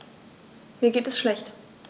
Mir geht es schlecht.